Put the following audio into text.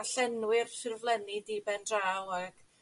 A llenwir ffurflenni di ben draw ag